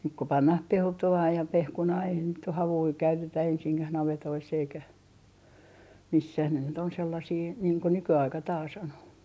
nyt kun pannaan peltoa ja pehkunaa eihän nyt ole havuja käytetä ensinkään navetoissa eikä missään ne nyt on sellaisia niin kuin nykyaika taas on